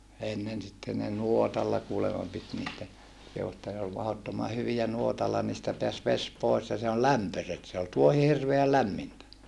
ennen sitten ne nuotalla kuulemma piti niitä ja kehui että ne oli mahdottoman hyviä nuotalla niistä pääsi vesi pois ja se on lämpöiset se oli tuohi hirveän lämmintä